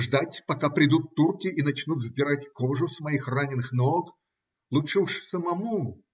Ждать, пока придут турки и начнут сдирать кожу с моих раненых ног? Лучше уж самому.